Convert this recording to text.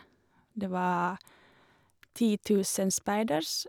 Det var ti tusen speidere.